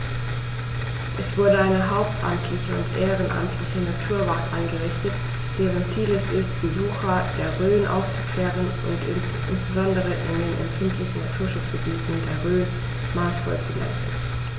Es wurde eine hauptamtliche und ehrenamtliche Naturwacht eingerichtet, deren Ziel es ist, Besucher der Rhön aufzuklären und insbesondere in den empfindlichen Naturschutzgebieten der Rhön maßvoll zu lenken.